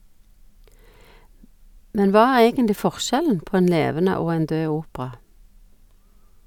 Men hva er egentlig forskjellen på en levende og en død opera?